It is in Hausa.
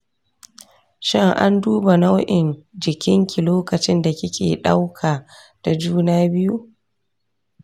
shin an duba nau'in jikinki lokacinda kike dauka da juna biyu?